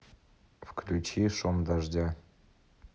включи шум дождя